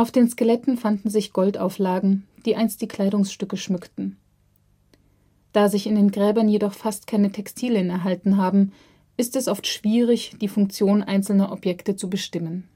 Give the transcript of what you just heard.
den Skeletten fanden sich Goldauflagen, die einst die Kleidungsstücke schmückten. Da sich in den Gräbern jedoch fast keine Textilien erhalten haben, ist es oft schwierig, die Funktion einzelner Objekte zu bestimmen